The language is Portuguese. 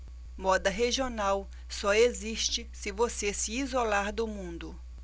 moda regional só existe se você se isolar do mundo